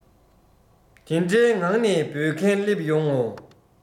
དེ འདྲའི ངང ནས འབོད མཁན སླེབས ཡོང ངོ